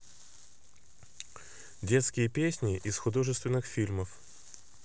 детские песни из художественных фильмов